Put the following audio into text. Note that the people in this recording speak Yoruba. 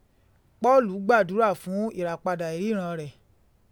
Pọ́ọ̀lù gbàdúrà fún ìràpadà ìríran rẹ̀.